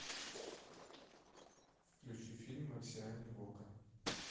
включи фильм марсианин в окко